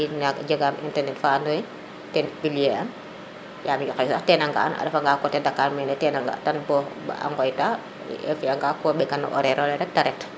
i jegan internet fa ando naye ten publier a yaam yoq we sax tena ŋa an coté Dackar rin tene ŋa tan bo a ŋooyta a fiya ŋa ko mbekan no horaire ole rek te ret